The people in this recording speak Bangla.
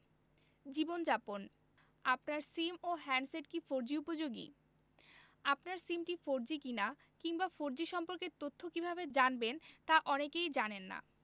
জীবনযাপন আপনার সিম ও হ্যান্ডসেট কি ফোরজি উপযোগী আপনার সিমটি ফোরজি কিনা কিংবা ফোরজি সম্পর্কে তথ্য কীভাবে জানবেন তা অনেকেই জানেন না